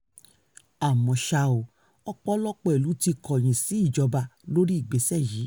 Àmọ́ ṣá, ọ̀pọ̀lọpọ̀ ìlú ti kọ̀yìn síjọba lórí ìgbésẹ̀ yìí.